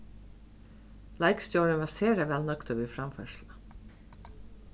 leikstjórin var sera væl nøgdur við framførsluna